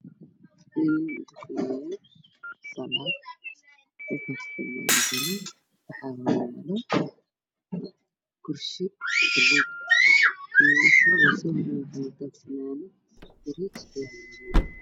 Meeshan waa guri waxaa ku tukanayo niman ka waxay wataan shatiyo fanaanada kursi buluug ee horyaalo